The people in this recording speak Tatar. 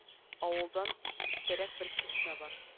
Авылдан читтәрәк бер чишмә бар